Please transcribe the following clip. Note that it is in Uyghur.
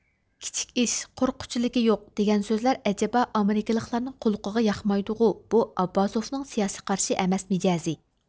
كىچىك ئىش قورققۇچىلىكى يوق دېگەن سۆزلەر ئەجەبا ئامېرىكىلىكلارنىڭ قۇلىقىغا ياقمايدۇغۇ بۇ ئابباسۇفنىڭ سىياسىي قارىشى ئەمەس مىجەزى